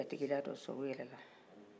u ye jatigila don sɔrɔ u yɛrɛ la